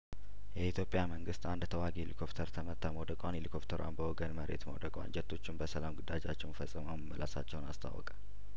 የኢትዮጵያ መንግስት አንድ ተዋጊ ሄሊኮፍተር ተመታ መውደቋን ሄሊኮፍተሯም በወገን መሬት መውደቋን ጀቶቹም በሰላም ግዳጃቸውን ፈጽመው መመለሳቸውን አስታወቀ